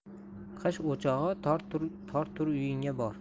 qish o'chog'i tor tur uyingga bor